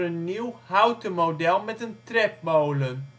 nieuw, houten model met een tredmolen